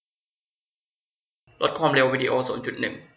ลดความเร็ววีดีโอศูนย์จุดหนึ่ง